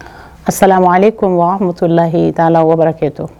A sa ale kotola t'a laketɔ